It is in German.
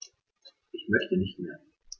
Ich möchte nicht mehr.